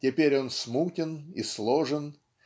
теперь он смутен и сложен